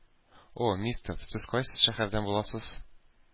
О, мистер, сез кайсы шәһәрдән буласыз?